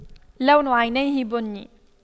لون عينيه بني